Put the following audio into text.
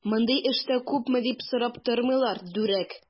Мондый эштә күпме дип сорап тормыйлар, дүрәк!